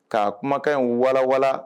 Ka kumakanw walawala